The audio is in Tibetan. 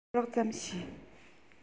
རགས ཙམ ཤེས